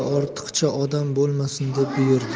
ortiqcha odam bo'lmasin deb buyurdi